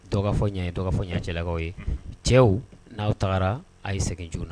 Fɔ-fɔ ɲ cɛlakaw ye cɛw n'aaw taara a yei segin joona na